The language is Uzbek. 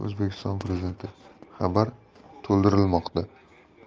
o'zbekiston prezidentixabar to'ldirilmoqda